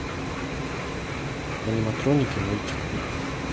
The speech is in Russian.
аниматроники мультик